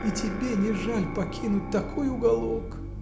– и тебе не жаль покинуть такой уголок?